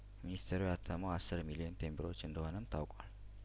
ሚኒስቴሩ ያተመው አስር ሚሊየን ቴምብሮች እንደሆነም ታውቋል